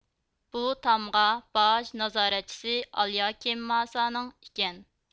بۇ تامغا باج نازارەتچىسى ئالياكېمماسانىڭ ئىكەن